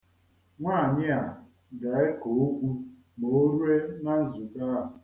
Nwaanyị a ga-eko okwu ma o rue na nzukọ ahụ.